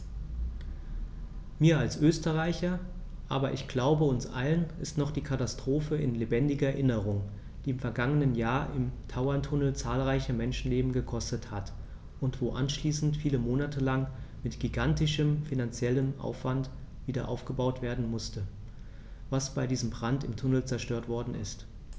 Mir als Österreicher, aber ich glaube, uns allen ist noch die Katastrophe in lebendiger Erinnerung, die im vergangenen Jahr im Tauerntunnel zahlreiche Menschenleben gekostet hat und wo anschließend viele Monate lang mit gigantischem finanziellem Aufwand wiederaufgebaut werden musste, was bei diesem Brand im Tunnel zerstört worden ist.